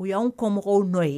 U y' kɔmɔgɔw nɔ ye